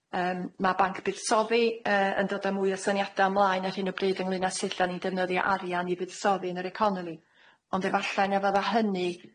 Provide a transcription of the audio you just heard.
Yym ma' banc buddsoddi yy yn dod â mwy o syniada ymlaen ar hyn o bryd ynglŷn â sut dan ni'n defnyddio arian i buddsoddi yn yr economi ond efallai na fydda hynny